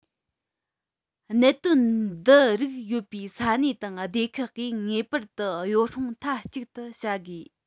གནད དོན འདི རིགས ཡོད པའི ས གནས དང སྡེ ཁག གིས ངེས པར དུ ཡོ བསྲང མཐའ གཅིག ཏུ བྱ དགོས